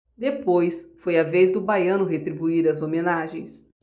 depois foi a vez do baiano retribuir as homenagens